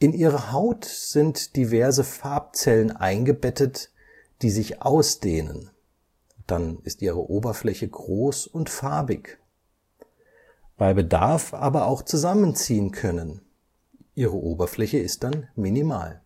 ihre Haut sind diverse Farbzellen eingebettet (Chromatophoren), die sich ausdehnen (dann ist ihre Oberfläche groß und farbig), bei Bedarf aber auch zusammenziehen können (ihre Oberfläche ist dann minimal